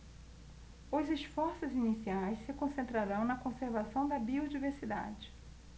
os esforços iniciais se concentrarão na conservação da biodiversidade